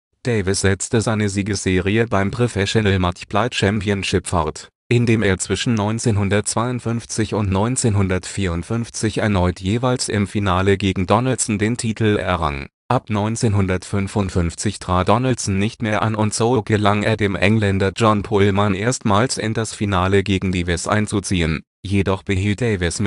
Davis setzte seine Siegesserie beim Professional Matchplay Championship fort, indem er zwischen 1952 und 1954 – erneut jeweils im Finale gegen Donaldson – den Titel errang. Ab 1955 trat Donaldson nicht mehr an und so gelang es dem Engländer John Pulman erstmals in das Finale gegen Davis einzuziehen; jedoch behielt Davis